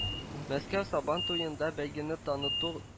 Мәскәү Сабантуенда бәйгене таныту